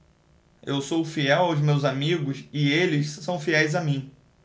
eu sou fiel aos meus amigos e eles são fiéis a mim